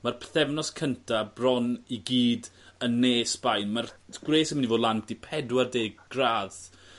ma'r pythefnos cynta bron i gyd yn ne Sbaen ma'r gwres myn' i fod lan byti pedwar deg gradd